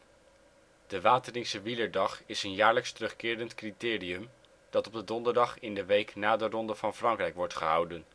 De Wateringse wielerdag is een jaarlijks terugkerend criterium dat op de donderdag in de week na de Ronde van Frankrijk wordt gehouden